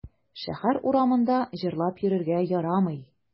Шәһәр урамында җырлап йөрергә ярамый.